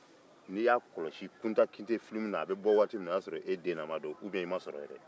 n'i y'a kɔlɔsi kunta kite filimu o y'a sɔrɔ e dennama don walima i ma sɔrɔ yɛrɛ